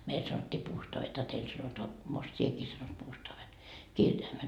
meillä sanottiin puustaavit a teillä sanotaan most sinäkin sanot puustaavit kirjaimet